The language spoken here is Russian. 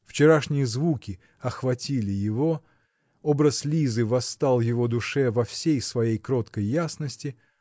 Вчерашние звуки охватили его, образ Лизы восстал в его душе во всей своей кроткой ясности